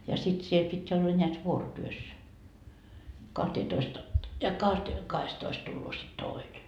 ja sitten siellä piti olla näet vuorotyössä kahteentoista - ja - kahdestatoista tulee sitten toinen